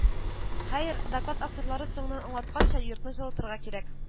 Хәер, доклад авторлары соңыннан аңлатканча, йортны җылытырга кирәк